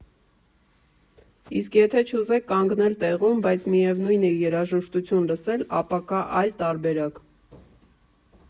Իսկ եթե չուզեք կանգնել տեղում, բայց միևնույն է՝ երաժշտություն լսել, ապա կա այլ տարբերակ.